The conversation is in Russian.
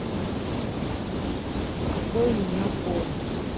какой у меня пол